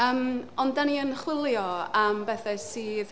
yym ond dan ni chwilio am bethau sydd...